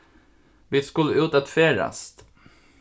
vit skulu út at ferðast